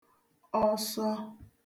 ọsọ